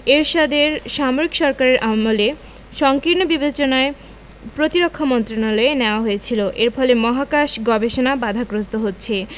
এরশাদের সামরিক সরকারের আমলে সংকীর্ণ বিবেচনায় প্রতিরক্ষা মন্ত্রণালয়ে নেওয়া হয়েছিল এর ফলে মহাকাশ গবেষণা বাধাগ্রস্ত হচ্ছে